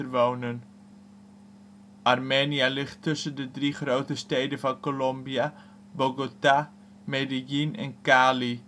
wonen. Armenia ligt tussen de drie grote steden van Colombia: Bogota, Medellín en Cali